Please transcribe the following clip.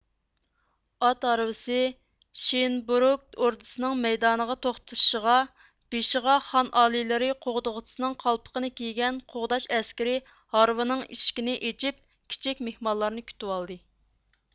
ئات ھارۋىسى شىئىنبوروگ ئوردىسىنىڭ مەيدانىدا توختىشىغا بېشىغا خان ئالىيلىرى قوغدىغۇچىسىنىڭ قالپىغىنى كىيگەن قوغداش ئەسكىرى ھارۋىنىڭ ئىشىكىنى ئېچىپ كىچىك مېھمانلارنى كۈتىۋالدى